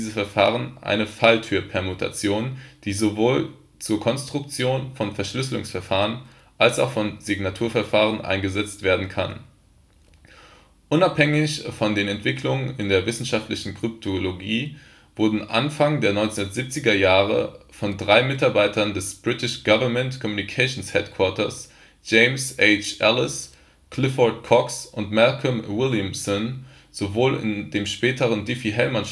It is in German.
Verfahren eine Falltürpermutation, die sowohl zur Konstruktion von Verschlüsselungsverfahren als auch von Signaturverfahren eingesetzt werden kann. Unabhängig von den Entwicklungen in der wissenschaftlichen Kryptologie wurde Anfang der 1970er Jahre von drei Mitarbeitern des britischen Government Communications Headquarters, James H. Ellis, Clifford Cocks und Malcolm Williamson, sowohl ein dem späteren Diffie-Hellman-Schlüsselaustausch